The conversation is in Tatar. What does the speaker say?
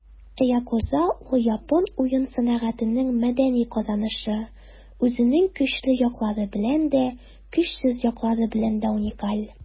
Yakuza - ул япон уен сәнәгатенең мәдәни казанышы, үзенең көчле яклары белән дә, көчсез яклары белән дә уникаль.